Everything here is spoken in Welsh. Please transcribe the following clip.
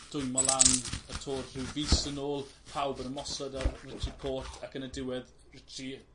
dwymo lan y Tour rhyw fis yn ôl pawb yn ymosod ar Richie Port ac yn y diwedd Richie